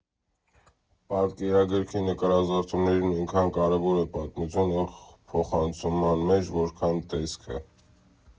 Պատկերագրքի նկարազարդումները նույնքան կարևոր են պատմությունը փոխանցելու մեջ, որքան տեքստը։